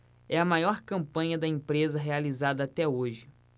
é a maior campanha da empresa realizada até hoje